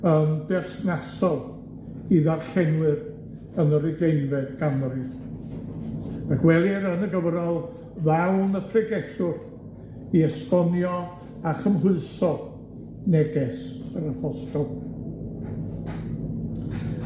yn berthnasol i ddarllenwyr yn yr ugeinfed ganrif, a gwelir yn y gyfrol ddawn y pregethwr i esbonio a chymhwyso neges yr apostol.